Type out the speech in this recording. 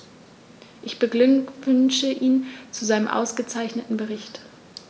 Ich beglückwünsche ihn zu seinem ausgezeichneten Bericht.